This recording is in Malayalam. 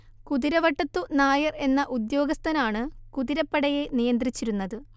കുതിരവട്ടത്തു നായർ എന്ന ഉദ്യോഗസ്ഥനാണ് കുതിരപ്പടയെ നിയന്ത്രിച്ചിരുന്നത്